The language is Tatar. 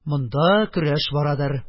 Монда көрәш барадыр.